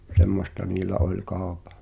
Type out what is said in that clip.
semmoista niillä oli kaupan